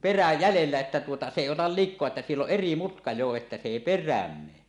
perää jäljellä että tuota se ei ota likaa että siellä on eri mutka jo että se ei perään mene